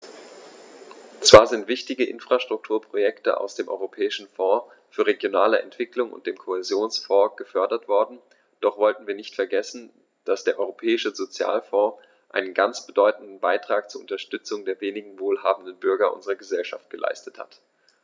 Zwar sind wichtige Infrastrukturprojekte aus dem Europäischen Fonds für regionale Entwicklung und dem Kohäsionsfonds gefördert worden, doch sollten wir nicht vergessen, dass der Europäische Sozialfonds einen ganz bedeutenden Beitrag zur Unterstützung der weniger wohlhabenden Bürger unserer Gesellschaft geleistet hat.